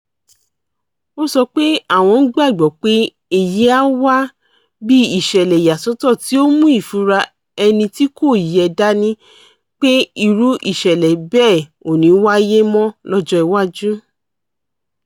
Ó sọ pé àwọn “gbàgbọ́ pé èyí á wà bí ìṣẹ̀lẹ̀ ìyàsọ́tọ̀ tí ó mú ìfura ẹni tí kò yẹ dání pé irú ìṣẹ̀lẹ̀ bẹ́ẹ̀ ò ní wáyé mọ́ lọ́jọ́ iwájú.